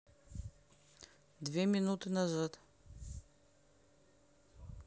на две минуты назад